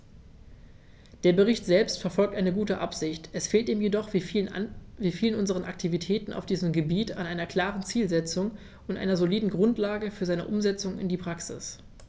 Der Bericht selbst verfolgt eine gute Absicht, es fehlt ihm jedoch wie vielen unserer Aktivitäten auf diesem Gebiet an einer klaren Zielsetzung und einer soliden Grundlage für seine Umsetzung in die Praxis.